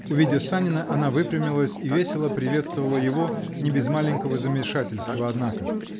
Увидя Санина, она выпрямилась и весело приветствовала его не без маленького замешательства, однако.